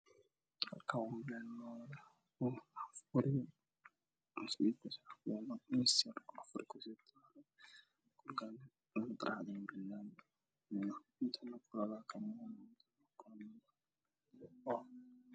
Meeshan waa fal waxaa yaalla qaasim miisaas midabkoodu yahay madow darbiyada waa cadayda cadaan